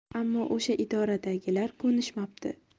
ammo o'sha idoradagilar ko'nishmabdi